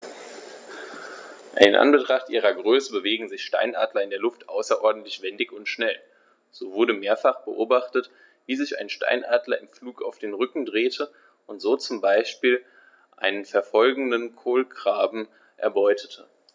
In Anbetracht ihrer Größe bewegen sich Steinadler in der Luft außerordentlich wendig und schnell, so wurde mehrfach beobachtet, wie sich ein Steinadler im Flug auf den Rücken drehte und so zum Beispiel einen verfolgenden Kolkraben erbeutete.